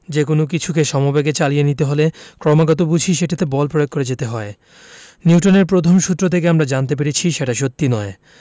যেকোনো কিছুকে সমবেগে চালিয়ে নিতে হলে ক্রমাগত বুঝি সেটাতে বল প্রয়োগ করে যেতে হয় নিউটনের প্রথম সূত্র থেকে আমরা জানতে পেরেছি সেটা সত্যি নয়